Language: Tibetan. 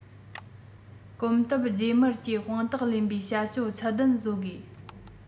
གོམ སྟབས རྗེས མར ཀྱིས དཔང རྟགས ལེན པའི བྱ སྤྱོད ཚད ལྡན བཟོ དགོས